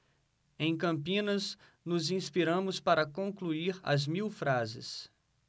em campinas nos inspiramos para concluir as mil frases